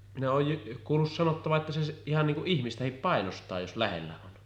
minä olen kuullut sanottavan että se ihan niin kuin ihmistäkin painostaa jos lähellä on